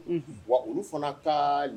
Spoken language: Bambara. Un wa olu fana taa